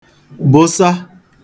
bụsa